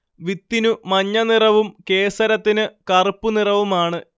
വിത്തിനു മഞ്ഞനിറവും കേസരത്തിനു കറുപ്പു നിറവുമാണ്